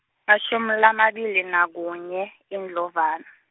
mashumi lamabili nakunye, Indlovana.